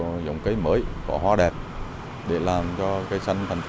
giống cây mới có hoa đẹp để làm cho cây xanh thành